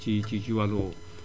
ci ci ci wàllu woowu